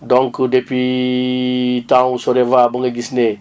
donc depuis taawu Sodeva ba nga gis ne